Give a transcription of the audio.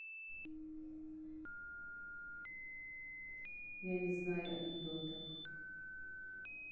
я не знаю анекдотов